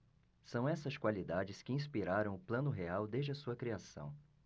são essas qualidades que inspiraram o plano real desde a sua criação